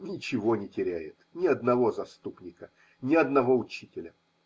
Ничего не теряет, ни одного заступника, ни одного учителя.